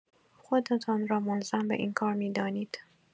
خودتان را ملزم به این کار می‌دانید.